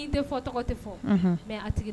N' fɔ tɔgɔ tɛ fɔ mɛ